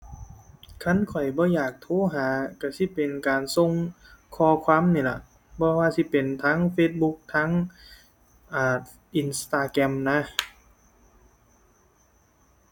คันข้อยบ่อยากโทรหาก็สิเป็นการส่งข้อความนี่ละ บ่ว่าสิเป็นทาง Facebook ทาง เอ่อ Instagram นะ